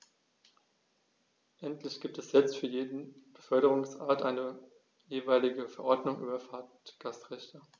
Endlich gibt es jetzt für jede Beförderungsart eine jeweilige Verordnung über Fahrgastrechte.